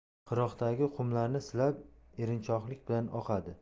qirg'oqdagi qumlarni silab erinchoqlik bilan oqadi